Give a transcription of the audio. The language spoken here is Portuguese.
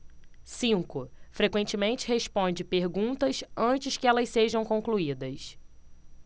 cinco frequentemente responde perguntas antes que elas sejam concluídas